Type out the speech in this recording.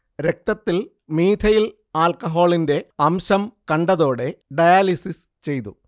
രക്തത്തിൽ മീഥൈൽ ആൽക്കഹോളിന്റെ അംശം കണ്ടതോടെ ഡയാലിസിസ് ചെയ്തു